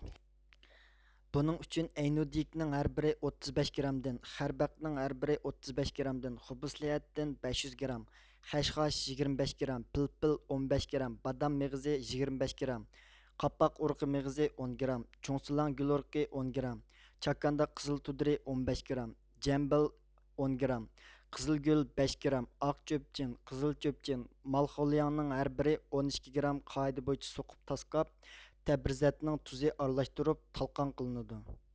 بۇنىڭ ئۈچۈن ئەينۇددېيكنىڭ ھەر بىرى ئوتتۇز بەش گىرامدىن خەربەقنىڭ ھەر بىرى ئوتتۇز بەش گىرامدىن خۇبسىلھەددىن بەش يۈز گىرام خەشخاش يىگىرمە بەش گىرام پىلپىل ئون بەش گىرام بادام مېغىزى يىگىرمە بەش گىرام قاپاق ئۇرۇغى مېغىزى ئون گىرام جۇڭسىلاڭ گۈل ئۇرۇغى ئون گىرام چاكاندا قىزىل تۇدرى ئون بەش گىرام جەمبىل ئون گىرام قىزىلگۈل بەش گىرام ئاق چۆبچىن قىزىل چۆبچىن مالىخوليانىڭ ھەر بىرى ئون ئىككى گىرام قائىدە بويىچە سوقۇپ تاسقاپ تەبىرىزەدنىڭ تۇزى ئارىلاشتۇرۇپ تالقان قىلىنىدۇ